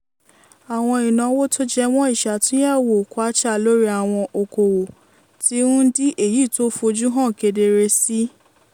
Àwọn ìnáwó tó jẹmọ́ ìṣå̀túnyẹ̀wò Kwacha lórí àwọn okoòwò ti ń di èyí tó fojúhan kedere sí i.